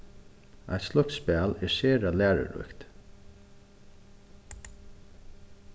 eitt slíkt spæl er sera læruríkt